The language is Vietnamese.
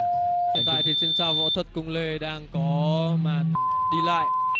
hiện tại thì siêu sao võ thuật cung lê đang có màn đi lại